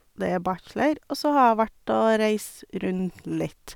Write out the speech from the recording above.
Det er bachelor, og så har jeg vært og reist rundt litt.